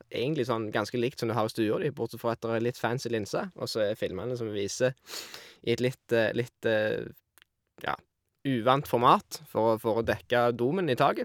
Egentlig sånn ganske likt som du har i stua di, bortsett fra at der er litt fancy linse, og så er filmene som vi viser, i et litt litt, ja, uvant format for å for å dekke domen i taket.